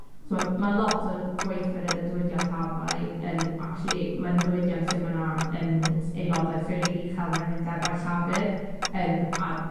t'od ma' lot o'r gweithwyr yn y diwydiant arfau yn acshyli ma'n diwydiant lle ma' 'na yn aelodau rhili uchel mewn undebau llafyr yn a